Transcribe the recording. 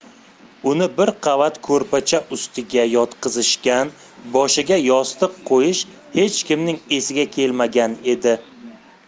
uni bir qavat ko'rpacha ustiga yotqizishgan boshiga yostiq qo'yish hech kimning esiga kelmagan edi